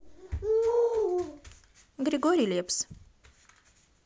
григорий лепс